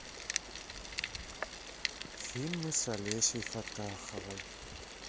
фильмы с олесей фатаховой